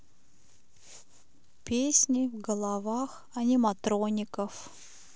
песни в головах аниматроников